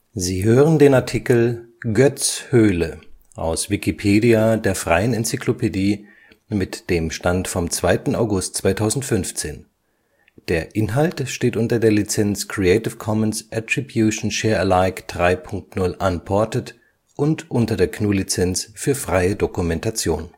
Sie hören den Artikel Goetz-Höhle, aus Wikipedia, der freien Enzyklopädie. Mit dem Stand vom Der Inhalt steht unter der Lizenz Creative Commons Attribution Share Alike 3 Punkt 0 Unported und unter der GNU Lizenz für freie Dokumentation